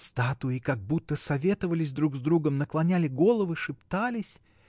Статуи как будто советовались друг с другом, наклоняли головы, шептались.